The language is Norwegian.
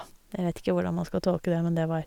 Jeg vet ikke hvordan man skal tolke det, men det var...